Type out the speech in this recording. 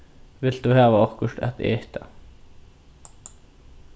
vilt tú hava okkurt at eta